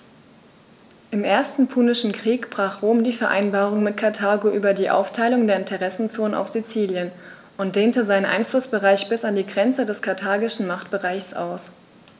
Im Ersten Punischen Krieg brach Rom die Vereinbarung mit Karthago über die Aufteilung der Interessenzonen auf Sizilien und dehnte seinen Einflussbereich bis an die Grenze des karthagischen Machtbereichs aus.